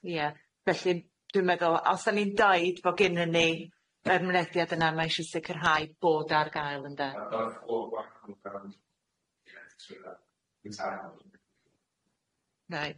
Ia felly dwi'n meddwl os o'n i'n deai bo' gennyn ni yy ymlediad yna ma' isie sicirhau bod ar gael ynde? Right.